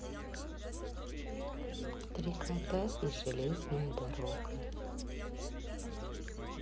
три кота и железная дорога